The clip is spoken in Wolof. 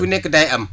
fu nekk day am